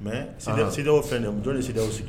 Mɛsi fɛn niw sigi